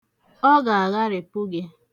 Ọ ga-agharịpu gị.